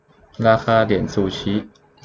ราคาเหรียญซูชิ